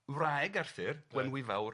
ar wraig Arthur... Ia... Gwenwyfawr